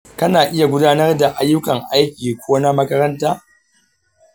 kana iya gudanar da ayyukan aiki ko na makaranta?